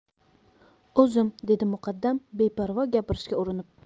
o'zim dedi muqaddam beparvo gapirishga urinib